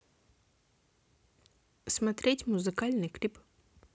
смотреть музыкальный клип